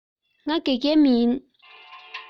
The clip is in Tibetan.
ང དགེ རྒན མིན